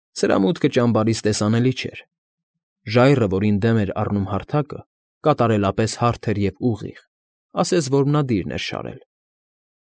Սրա մուտքը ճամբարից տեսանելի չէր։ Ժայռը, որին դեմ էր առնում հարթակը, կատարելապես հարթ էր և ուղիղ, ասես որմնադիրն էր շարել։